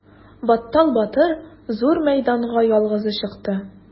Баттал батыр зур мәйданга ялгызы чыкты.